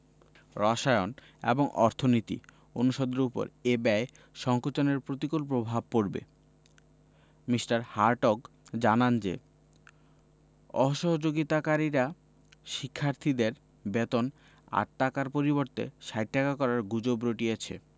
রসায়ন এবং অর্থনীতি অনুষদের ওপর এ ব্যয় সংকোচনের প্রতিকূল প্রভাব পড়বে মি. হার্টগ জানান যে অসহযোগিতাকারীরা শিক্ষার্থীদের বেতন ৮ টাকার পরিবর্তে ৬০ টাকা করার গুজব রটিয়েছে